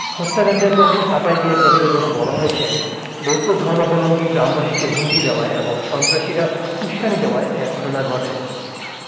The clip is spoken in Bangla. হত্যাকাণ্ডের পক্ষে সাফাই গেয়ে প্রতিবেদনে বলা হয়েছে বৌদ্ধ ধর্মাবলম্বী গ্রামবাসীকে হুমকি দেওয়ায় এবং সন্ত্রাসীরা উসকানি দেওয়ায় এ ঘটনা ঘটে